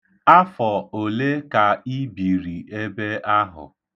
Afọ ole ka i biri ebe ahụ?